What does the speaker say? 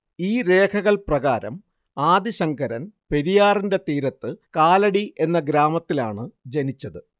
ഈ രേഖകള്‍ പ്രകാരം ആദി ശങ്കരന്‍ പെരിയാറിന്റെ തീരത്ത് കാലടി എന്ന ഗ്രാമത്തിലാണ് ജനിച്ചത്